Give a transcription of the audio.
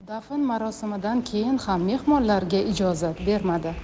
dafn marosimidan keyin ham mehmonlarga ijozat bermadi